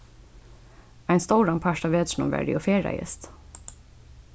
ein stóran part av vetrinum var eg og ferðaðist